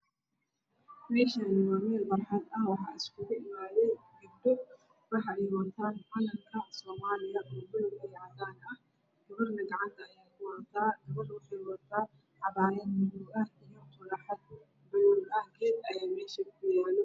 Me Shani wa meel bar xad ah wa xa os kugu imaday gabdho waxa ey watan Calan ka soomaliya o bulug iya cadaan ah bano Nina gacanta ayey kuwadataa gabadha waxey wadataa cabaayad balug ah iya turaaxad balug ah geed ayaa me sha ku yaalo